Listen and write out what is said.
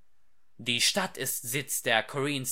Die Stadt ist Sitz der Korean